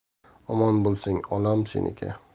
omon bo'lsang olam seniki